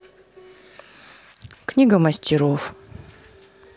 книга мастеров